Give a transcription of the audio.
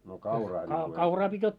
no kauraa niin kuin ensin